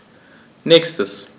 Nächstes.